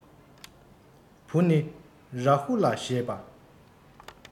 བུ ནི རཱ ཧུ ལ ཞེས དང